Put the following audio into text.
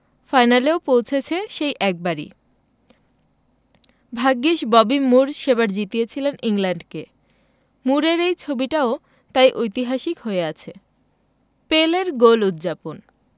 ফাইনালেও পৌঁছেছে সেই একবারই ভাগ্যিস ববি মুর সেবার জিতিয়েছিলেন ইংল্যান্ডকে মুরের এই ছবিটাও তাই ঐতিহাসিক হয়ে আছে পেলের গোল উদ্ যাপন